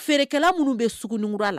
Feereerekɛla minnu bɛ sugunɛ ninnukura la